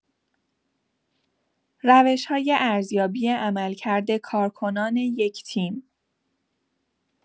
روش‌های ارزیابی عملکرد کارکنان یک تیم